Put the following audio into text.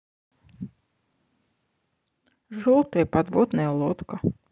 желтая подводная лодка